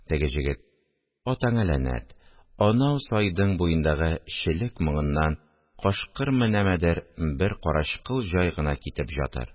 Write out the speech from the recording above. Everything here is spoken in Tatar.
Теге җегет: – Атаңа ләнәт , анау сайдың буендагы челек маңыннан кашкырмы -нәмәдер бер карачкыл җай гына китеп җатыр